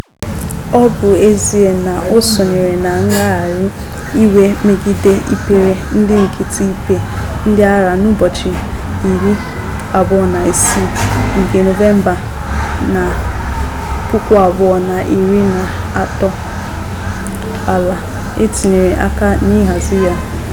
Ọ bụ ezie na o sonyere na ngagharị iwe megide ikpere ndị nkịtị ikpe ndị agha n'ụbọchị 26 nke Nọvemba na 2013, Alaa etinyeghị aka n'ịhazi ya.